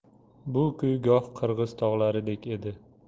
bu kuy goh qirg'iz tog'laridek edi